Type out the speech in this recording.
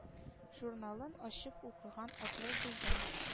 Журналын ачып укыган атлы булды